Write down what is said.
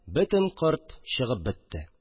Бөтен корт чыгып бетте